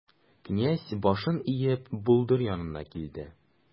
Князь, башын иеп, болдыр янына килде.